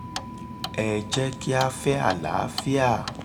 Ẹ jẹ́ kí a fẹ́ àlàáfíà.